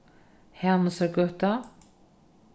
hanusargøta